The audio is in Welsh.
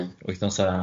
Ie.